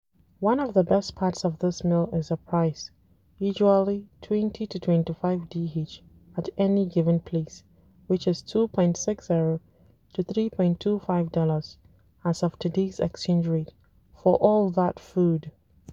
One of the best parts of this meal is the price, usually 20-25 DH at any given place which is $2.60-3.25 as of today’s exchange rate- for all that food!